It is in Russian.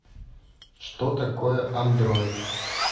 что такое android